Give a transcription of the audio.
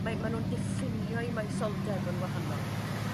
Mae ma' nw'n diffinio'u moesoldeb yn wahanol.